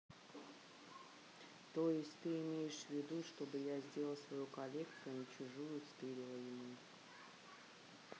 то есть ты имеешь ввиду чтобы я сделала свою коллекцию а не чужую стырила ему